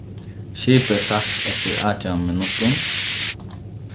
skipið sakk eftir átjan minuttum